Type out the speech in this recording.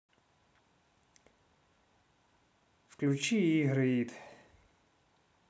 включи игры ит